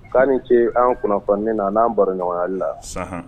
K'ani ce an kunnafonnin a n'an baroɲɔgɔnyali la. Sahan